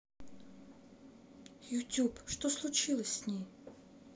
youtube что случилось с ней